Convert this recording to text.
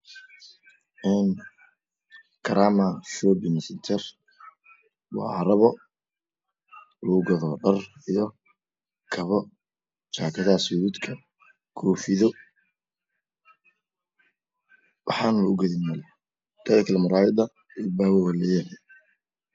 Karama shopping carwo Dhar jaakdaha suudadka koofiyada muraayad uu leeyahay